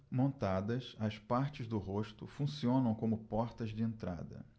montadas as partes do rosto funcionam como portas de entrada